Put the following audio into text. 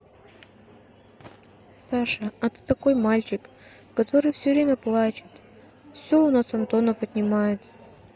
саша а ты такой мальчик который все время плачет все у нас антонов отнимает